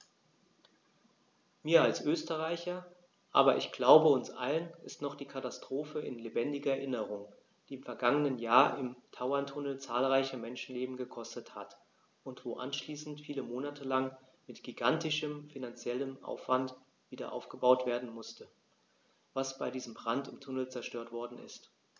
Mir als Österreicher, aber ich glaube, uns allen ist noch die Katastrophe in lebendiger Erinnerung, die im vergangenen Jahr im Tauerntunnel zahlreiche Menschenleben gekostet hat und wo anschließend viele Monate lang mit gigantischem finanziellem Aufwand wiederaufgebaut werden musste, was bei diesem Brand im Tunnel zerstört worden ist.